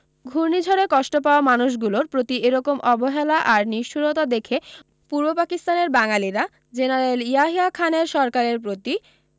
ঘূর্ণিঝড়ে কষ্ট পাওয়া মানুষগুলোর প্রতি এরকম অবহেলা আর নিষ্ঠুরতা দেখে পূর্ব পাকিস্তানের বাঙালিরা জেনারেল ইয়াহিয়া খানের সরকারের প্রতি